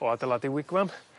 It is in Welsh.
o adeiladu wigwam